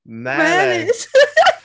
Melys!